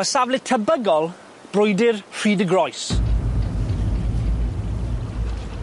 ma' safle tebygol brwydyr Rhyd y Groes.